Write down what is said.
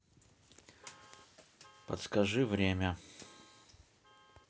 подскажи время